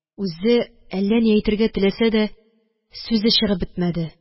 Үзе әллә ни әйтергә теләсә дә, сүзе чыгып бетмәде